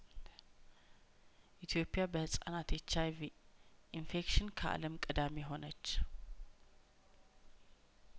ኢትዮጵያ በህጻናት ኤች አይቪ ኢንፌክሽን ከአለም ቀዳሚ ሆነች